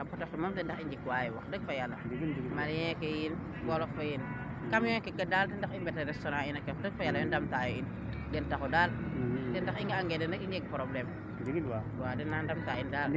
xa bateau xe moom den tax i njik waayo wax deg fa yala Malien ke yiin wolof we yiin camion keeke daal ten taxu i mbetoyo restaurant ke wax deg fa yala owey ndamtayo in den taxu daal ten taxu i nga a nge den daal i njeg probleme waaw dena ndamta in daal